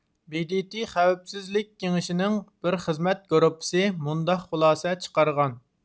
بې دې تې خەۋپسىزلىك كېڭىشىنىڭ بىر خىزمەت گۇرۇپپىسى مۇنداق خۇلاسە چىقارغان